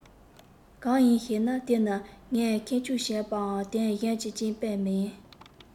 གང ཡིན ཞེ ན དེ ནི ངས ཁེངས སྐྱུང བྱས པའམ དོན གཞན གྱི རྐྱེན པས མིན